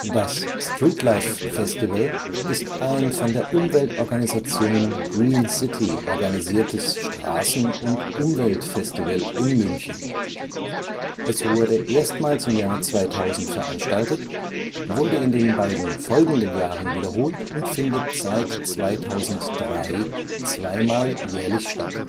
Das Streetlife Festival ist ein von der Umweltorganisation Green City organisiertes Straßen - und Umweltfestival in München. Es wurde erstmals im Jahr 2000 veranstaltet, wurde in den beiden folgenden Jahren wiederholt und findet seit 2003 zweimal jährlich statt